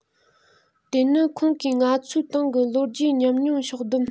དེ ནི ཁོང གིས ང ཚོའི ཏང གི ལོ རྒྱུས ཉམས མྱོང ཕྱོགས བསྡོམས